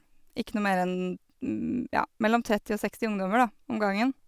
Ikke noe mer enn, ja, mellom tretti og seksti ungdommer, da, om gangen.